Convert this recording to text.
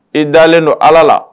I dalenlen don ala la